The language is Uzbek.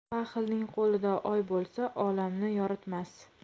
baxilning qo'lida oy bo'lsa olamni yoritmas